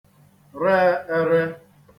re erē